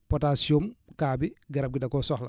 potasium K bi garab gi da koo soxla